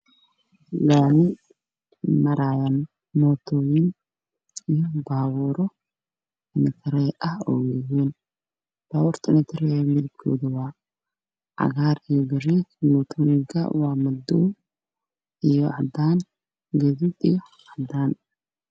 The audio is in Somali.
Waa laami ay maraayaan mootooyin iyo baabuur waa weyn